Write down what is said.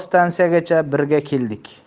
stansiyagacha birga keldik